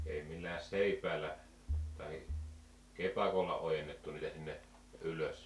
ei millään seipäällä tai kepakolla ojennettu niitä sinne ylös